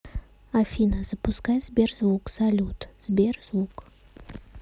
афина запускай сберзвук салют сбер звук